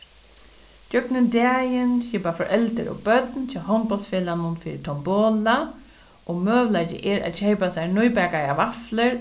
gjøgnum dagin skipa foreldur og børn hjá hondbóltsfelagnum fyri tombola og møguleiki er at keypa sær nýbakaðar vaflur